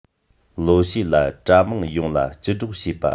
ལོ ཕྱེད ལ གྲྭ མང ཡོངས ལ སྤྱི སྒྲོག བྱེད པ